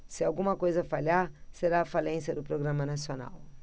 se alguma coisa falhar será a falência do programa nacional